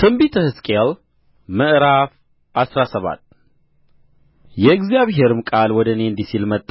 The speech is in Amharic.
ትንቢተ ሕዝቅኤል ምዕራፍ አስራ ሰባት የእግዚአብሔር ቃል ወደ እኔ እንዲህ ሲል መጣ